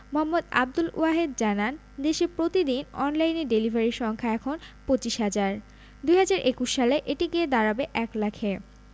মো. আবদুল ওয়াহেদ জানান দেশে প্রতিদিন অনলাইন ডেলিভারি সংখ্যা এখন ২৫ হাজার ২০২১ সালে এটি গিয়ে দাঁড়াবে ১ লাখে